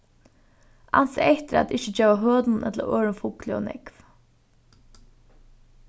ansið eftir at ikki geva hønum ella øðrum fugli ov nógv